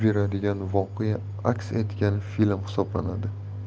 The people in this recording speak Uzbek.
beradigan voqea aks etgan film hisoblanadi